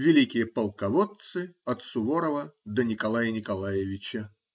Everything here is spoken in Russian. Великие полководцы от Суворова до Николая Николаевича".